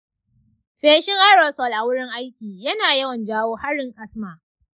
feshin aerosol a wurin aiki yana yawan jawo harin asma.